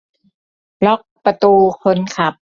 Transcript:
ล็อกประตูคนขับ